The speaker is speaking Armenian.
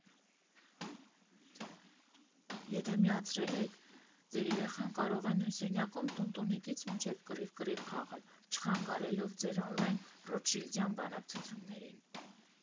Եթե միացրել եք, ձեր երեխան կարող է նույն սենյակում տունտունիկից մինչև կռիվ֊կռիվ խաղալ՝ չխանգարելով ձեր օնլայն ռոթշիլդյան բանակցություններին ։